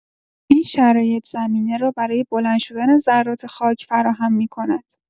این شرایط زمینه را برای بلند شدن ذرات خاک فراهم می‌کند.